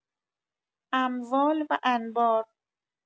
اموال و انبار